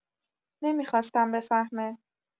نمی‌خواستم بفهمه